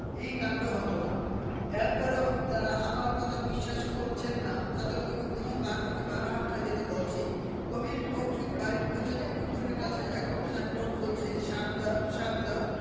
এই কান্ড হত না এর পরেও যারা আমার কথা বিশ্বাস করছেন না তাঁদের কবি গুণের বাসভূমি বারহাট্টায় যেতে বলছি কবির পৈতৃক বাড়ির পেছনে পুকুরের কাছে এখনো সাইনবোর্ড ঝুলছে সাবধান সাবধান